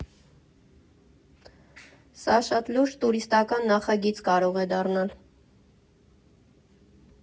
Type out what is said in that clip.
«Սա շատ լուրջ տուրիստական նախագիծ կարող է դառնալ.